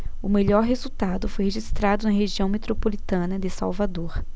o melhor resultado foi registrado na região metropolitana de salvador